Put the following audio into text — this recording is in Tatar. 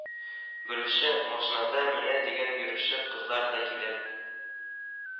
Белүче, машинада менә дигән йөрүче кызлар да килә